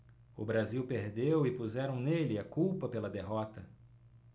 o brasil perdeu e puseram nele a culpa pela derrota